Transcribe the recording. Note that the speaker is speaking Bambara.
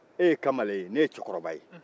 e ye kamalen ye ne ye cɛkɔrɔba ye